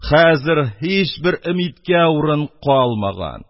Хәзер һичбер өмидкә урын калмаган,